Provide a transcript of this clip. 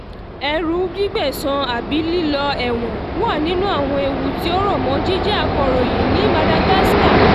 Ẹ̀rù gbígbẹ̀san àbí lílọ ẹ̀wọ̀n wà nínú àwọn ewu tí ó rọ̀ mọ́ jíjẹ́ akọ̀ròyìn ní Madagascar.